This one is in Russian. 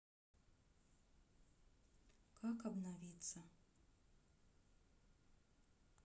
как обновиться